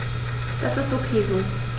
Das ist ok so.